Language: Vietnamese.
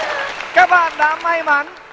các bạn đã may mắn